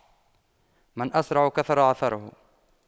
من أسرع كثر عثاره